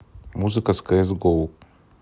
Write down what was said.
музыка кс гоу